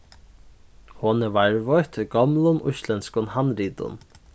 hon er varðveitt í gomlum íslendskum handritum